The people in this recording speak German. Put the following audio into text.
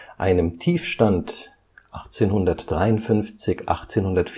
Einem Tiefstand 1853 / 54, der